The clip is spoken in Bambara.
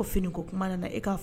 O fini ko kuma nana e k'a fɔ